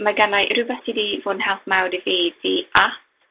Ma' gennai rwbeth sy 'di fod yn help mawr i fi 'di ap.